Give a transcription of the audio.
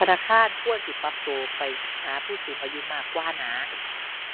ธนาคารควรสิปรับตัวไปหาผู้สูงอายุมากกว่านะ